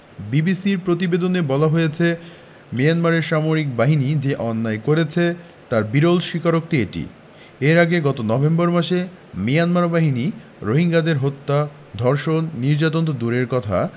বিবিসির প্রতিবেদনে বলা হয়েছে মিয়ানমার সামরিক বাহিনী যে অন্যায় করেছে তার বিরল স্বীকারোক্তি এটি এর আগে গত নভেম্বর মাসে মিয়ানমার বাহিনী রোহিঙ্গাদের হত্যা ধর্ষণ নির্যাতন তো দূরের কথা